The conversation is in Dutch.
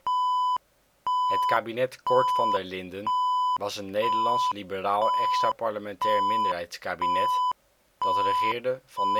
kabinet-Cort van der Linden was een Nederlands liberaal extra-parlementair minderheidskabinet dat regeerde van